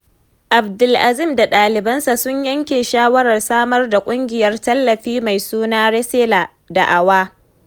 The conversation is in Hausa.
Abdel-Azim da ɗalibansa sun yanke shawarar samar da ƙungiyar tallafi mai suna Resala ( Da'awa).